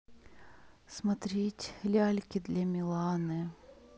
смотреть ляльки для миланы